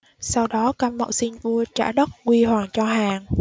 sau đó cam mậu xin vua trả đất quy hoàn cho hàn